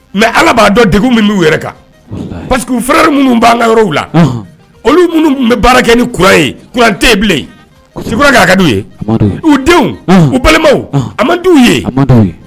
Nka ala b'a dɔn deg min b'u yɛrɛ kan parce que fɛrɛɛrɛ minnu b banga yɔrɔw la olu minnu bɛ baara kɛ ni kura ye k kote bilen sikura' ka ye u denw u balimaw a man di ye